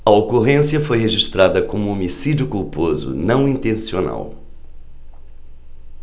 a ocorrência foi registrada como homicídio culposo não intencional